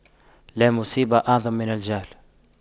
لا مصيبة أعظم من الجهل